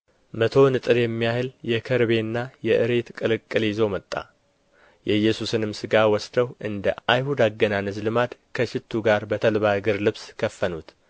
መቶ ንጥር የሚያህል የከርቤና የእሬት ቅልቅል ይዞ መጣ የኢየሱስንም ሥጋ ወስደው እንደ አይሁድ አገናነዝ ልማድ ከሽቱ ጋር በተልባ እግር ልብስ ከፈኑት